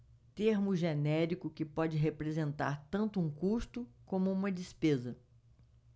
termo genérico que pode representar tanto um custo como uma despesa